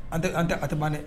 An tɛ an tɛ adi man